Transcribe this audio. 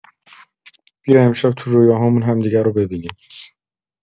بیا امشب تو رویاهامون همدیگرو ببینیم.